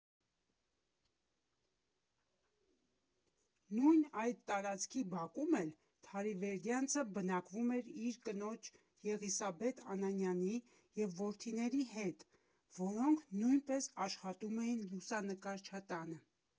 Նույն այդ տարածքի բակում էլ Թարիվերդյանցը բնակվում էր իր կնոջ՝ Եղիսաբեթ Անանյանի և որդիների հետ, որոնք նույնպես աշխատում էին լուսանկարչատանը։